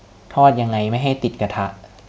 ทอดยังไงไม่ให้ติดกระทะ